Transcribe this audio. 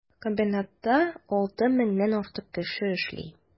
Комбинатта 6 меңнән артык кеше эшли.